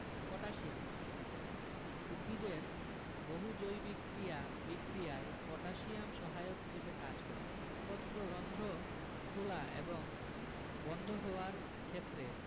potassium উদ্ভিদের বহু জৈবিক ক্রিয়া বিক্রিয়ায় পটাশিয়াম সহায়ক হিসেবে কাজ করে পত্ররন্ধ্র খেলা এবং বন্ধ হওয়ার ক্ষেত্রে